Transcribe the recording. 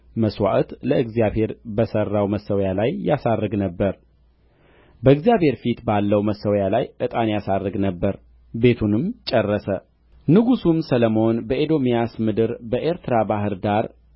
መሥዋዕት ለእግዚአብሔር በሠራው መሠዊያ ላይ ያሳርግ ነበር በእግዚአብሔር ፊት ባለው መሠዊያ ላይ ዕጣን ያሳርግ ነበር ቤቱንም ጨረሰ ንጉሡም ሰሎሞን በኤዶምያስ ምድር በኤርትራ ባሕር ዳር